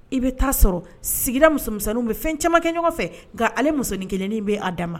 I bɛ taa sɔrɔ sigida muso muninw bɛ fɛn caamankɛ ɲɔgɔn fɛ, nka ale musonin kelen bɛ a da ma.